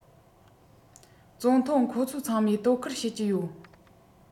ཙུང ཐུང ཁོ ཚོ ཚང མས དོ ཁུར བྱེད ཀྱི ཡོད